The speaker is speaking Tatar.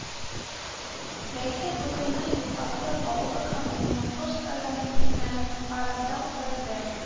Бәйге Бөгелмә, Ютазы, Баулы һәм Лениногорск район мөселманнары арасында үткәрелде